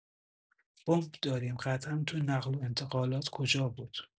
بمب داریم قطعا تو نقل و انتقالات کجا بود